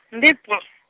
ndi P.